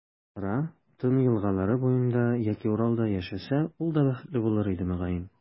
Ра, Тын елгалары буенда яки Уралда яшәсә, ул да бәхетле булыр иде, мөгаен.